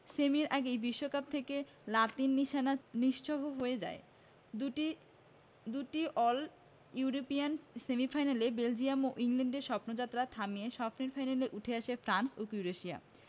সেমির আগেই বিশ্বকাপ থেকে লাতিন নিশানা নিশ্চিহ্ন হয়ে যায় দুটি দুটি অল ইউরোপিয়ান সেমিফাইনালে বেলজিয়াম ও ইংল্যান্ডের স্বপ্নযাত্রা থামিয়ে স্বপ্নের ফাইনালে উঠে আসে ফ্রান্স ও ক্রোয়েশিয়া